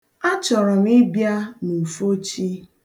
Achọrọ m ịbịa n'ufochi.